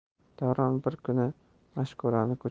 davron bir kuni mashkurani